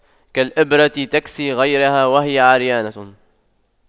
كالإبرة تكسي غيرها وهي عريانة